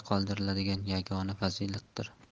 qoldiriladigan yagona fazilatdir